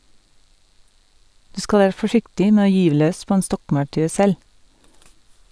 - Du skal være forsiktig med å gyve løs på en stokkmaurtue selv.